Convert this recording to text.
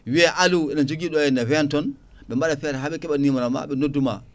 wiye Aliou ene jogui ɗo henna 20 tonnes ɓe mbaɗa feere haɓe keeɓa numéro ma ɓe nodduma